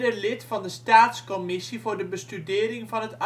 lid van de Staatscommissie voor de bestudering van het